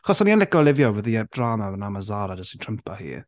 Achos o'n i yn licio Olivia with the drama ond nawr mae Zara jyst 'di trympio hi.